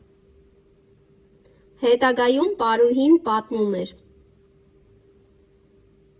Հետագայում պարուհին պատմում էր.